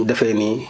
Jokalante